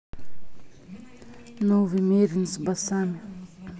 новый мерин с басами